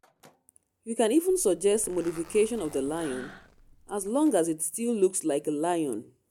You can even suggest modification of the lion – as long as it still looks like a lion.